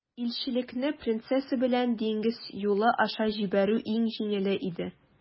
Илчелекне принцесса белән диңгез юлы аша җибәрү иң җиңеле иде.